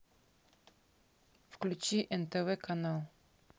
включи нтв канал